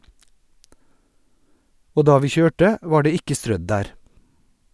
Og da vi kjørte, var det ikke strødd der.